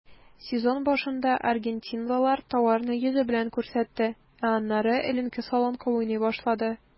Сезон башында аргентинлылар тауарны йөзе белән күрсәтте, ә аннары эленке-салынкы уйный башлады.